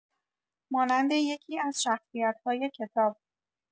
مانند یکی‌از شخصیت‌های کتاب.